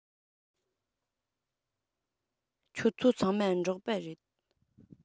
ཁྱོད ཚོ ཚང མ འབྲོག པ རེད